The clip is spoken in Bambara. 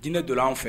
Diinɛ don an fɛ